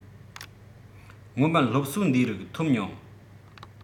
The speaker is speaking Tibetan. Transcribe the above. སྔོན མར སློབ གསོ འདིའི རིགས འཐོབ མྱོང